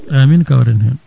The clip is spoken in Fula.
amine kawren hen